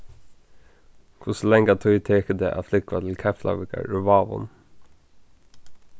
hvussu langa tíð tekur tað at flúgva til keflavíkar úr vágum